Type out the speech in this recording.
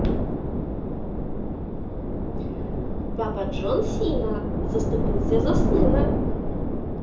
папа джон сина заступился за сыном